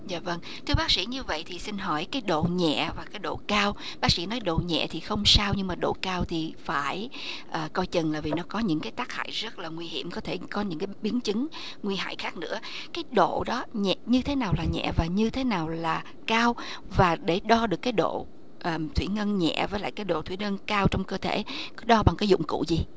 dạ vâng thưa bác sĩ như vậy thì xin hỏi cái độ nhẹ và cái độ cao bác sĩ nói độ nhẹ thì không sao nhưng mà độ cao thì phải à coi chừng là vì nó có những cái tác hại rất là nguy hiểm có thể có những biến chứng nguy hại khác nữa cái độ đó nhẹ như thế nào là nhẹ và như thế nào là cao và để đo được cái độ à thủy ngân nhẹ với lại cái độ thủy ngân cao trong cơ thể có đo bằng các dụng cụ gì